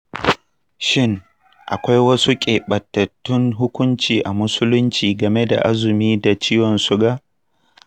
shin akwai wasu keɓantattun hukunci a musulunci game da azumi da ciwon siga?